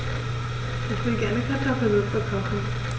Ich will gerne Kartoffelsuppe kochen.